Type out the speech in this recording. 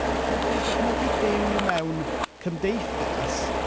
Rych- ch- chi'n gallu dychmygu byw mewn cymdeithas...